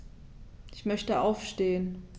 Ich möchte aufstehen.